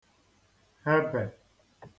hebè